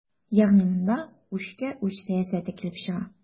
Ягъни монда үчкә-үч сәясәте килеп чыга.